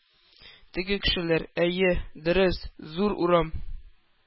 Теге кешеләр: Әйе, дөрес, зур урам,